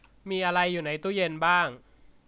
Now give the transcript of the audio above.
มีอะไรอยู่ในตู้เย็นบ้าง